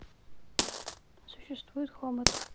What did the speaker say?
существует хобот